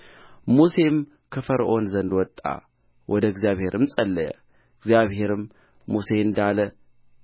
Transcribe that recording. ሙሴም ከፈርዖን ዘንድ ወጣ ወደ እግዚአብሔርም ጸለየ እግዚአብሔርም ሙሴ እንዳለ